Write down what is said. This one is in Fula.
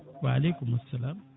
waleykumu salam